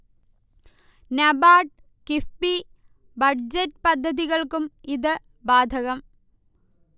NABARD, KIIFB, budget പദ്ധതികൾക്കും ഇത് ബാധകം